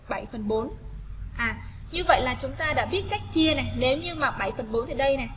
như vậy là chúng ta đã biết cách chia này nếu như mà mày còn bố thì đây này